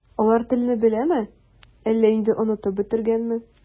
Алар телне беләме, әллә инде онытып бетергәнме?